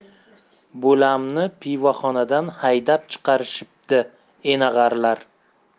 bo'lamni pivoxonadan haydab chiqarishibdi enag'arlar